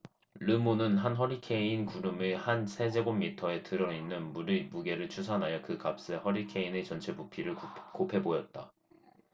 르몬은 한 허리케인 구름의 한 세제곱미터에 들어 있는 물의 무게를 추산하여 그 값에 허리케인의 전체 부피를 곱해 보았다